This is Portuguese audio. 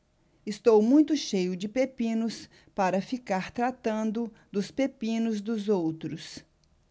estou muito cheio de pepinos para ficar tratando dos pepinos dos outros